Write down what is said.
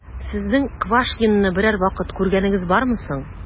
Сезнең Квашнинны берәр вакыт күргәнегез бармы соң?